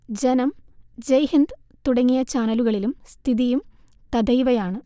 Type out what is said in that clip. ജനം, ജയ്ഹിന്ദ് തുടങ്ങിയ ചാനലുകളിലും സ്ഥിതിയും തഥൈവയാണ്